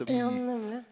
ja nemlig.